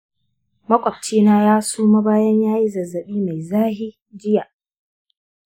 makwabcina ya suma bayan ya yi zazzabi mai zafi jiya.